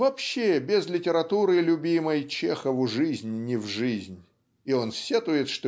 Вообще, без литературы любимой Чехову жизнь не в жизнь. И он сетует